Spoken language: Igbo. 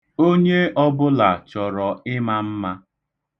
Onye ọbụla chọrọ ịma mma.